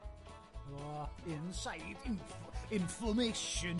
O, inside inf- inflamation!